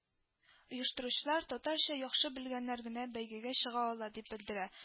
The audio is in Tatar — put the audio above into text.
Оештыручылар татарча яхшы белгәннәр генә бәйгегә чыга ала дип белдерә